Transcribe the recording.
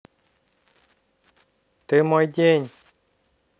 ты мой день